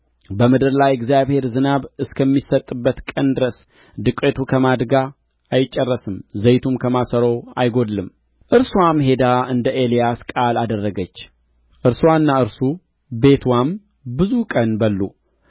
በምድር ላይ እግዚአብሔር ዝናብ እስከሚሰጥበት ቀን ድረስ ዱቄቱ ከማድጋ አይጨረስም ዘይቱም ከማሰሮው አይጎድልም እርስዋም ሄዳ እንደ ኤልያሳ ቃል አደረገች እርስዋና እርሱ ቤትዋም ብዙ ቀን በሉ